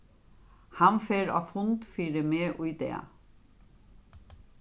hann fer á fund fyri meg í dag